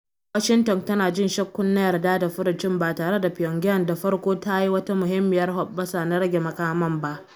Washington tana jin shakkun na yarda da furucin ba tare da Pyongyang da farko ta yi wata muhimmiyar hoɓɓasa na rage makaman ba.